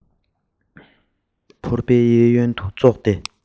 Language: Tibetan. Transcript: ཕོར པའི གཡས གཡོན དུ ཙོག སྟེ